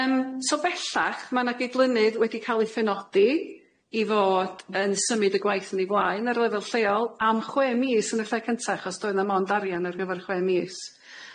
Yym so bellach ma' 'na gydlynydd wedi ca'l ei phenodi i fod yn symud y gwaith yn ei flaen ar lefel lleol am chwe mis yn y lle cynta achos doedd na 'mond arian ar gyfar y chwe mis.